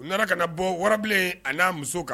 U nana ka na bɔ warabilen ani n'a muso kan